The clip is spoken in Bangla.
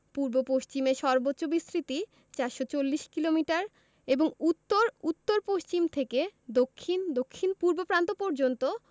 পূর্ব পশ্চিমে সর্বোচ্চ বিস্তৃতি ৪৪০ কিলোমিটার এবং উত্তর উত্তর পশ্চিম থেকে দক্ষিণ দক্ষিণপূর্ব প্রান্ত পর্যন্ত